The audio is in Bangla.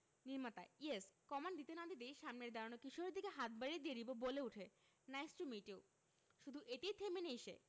নির্মাতা ইয়েস কমান্ড দিতে না দিতেই সামনের দাঁড়ানো কিশোরের দিকে হাত বাড়িয়ে দিয়ে রিবো বলে উঠে নাইস টু মিট ইউ শুধু এতেই থেমে নেই সে